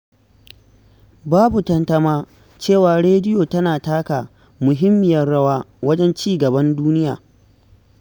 Babu tantama cewa, rediyo tana taka muhimmiyar rawa wajen cigaban duniya.